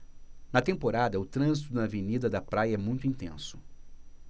na temporada o trânsito na avenida da praia é muito intenso